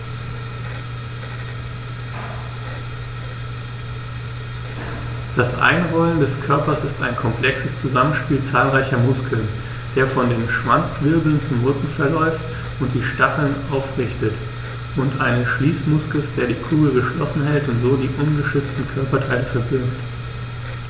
Das Einrollen des Körpers ist ein komplexes Zusammenspiel zahlreicher Muskeln, der von den Schwanzwirbeln zum Rücken verläuft und die Stacheln aufrichtet, und eines Schließmuskels, der die Kugel geschlossen hält und so die ungeschützten Körperteile verbirgt.